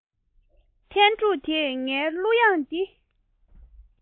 ཐན ཕྲུག དེས ངའི གླུ དབྱངས དེ